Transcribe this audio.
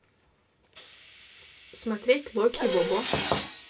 смотреть локи бобо